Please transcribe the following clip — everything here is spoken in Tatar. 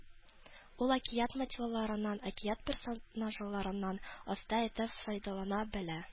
Ул әкият мотивларыннан, әкият персонажларыннан оста итеп файдалана белә